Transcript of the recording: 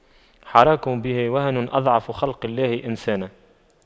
حراك به وهن أضعف خلق الله إنسانا